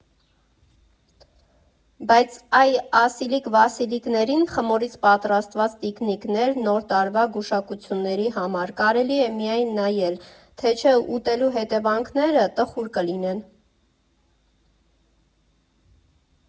Բայց այ Ասիլիկ֊Վասիլիկներին (խմորից պատրաստված տիկնիկներ՝ Նոր տարվա գուշակությունների համար) կարելի է միայն նայել, թե չէ ուտելու հետևանքները տխուր կլինեն։